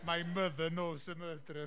My mother knows the murderer.